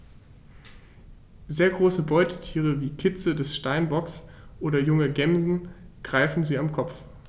Sehr große Beutetiere wie Kitze des Steinbocks oder junge Gämsen greifen sie am Kopf.